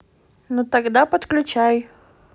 ну тогда подключай